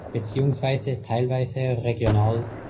beziehungsweise teilweise regional